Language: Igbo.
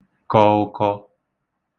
kọ̄ ụ̄kọ̄